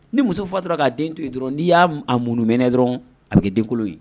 Ni muso fatura k'a den to yen dɔrɔn n'i y'a munum mɛnɛ dɔrɔn a bɛ kɛ denkolo ye